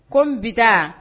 Ko n bɛ taa